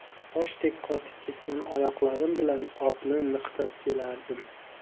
toshdek qotib ketgan oyoqlarim bilan otni niqtab kelardim